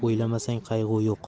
o'ylamasang qayg'u yo'q